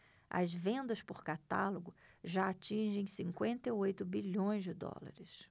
as vendas por catálogo já atingem cinquenta e oito bilhões de dólares